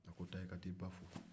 a ko taa i ka t'i ba fo